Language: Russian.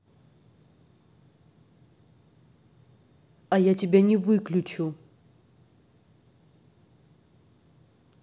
а я тебя не выключу